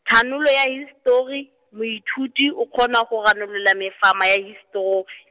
thanolo ya hisetori, moithuti o kgona go ranola mefama ya hiseto- .